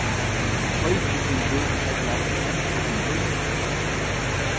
peikifingur ella fremstifingur